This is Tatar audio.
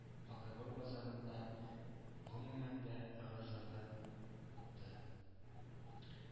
Алкоголь базарында, гомумән дә, ыгы-зыгы купты.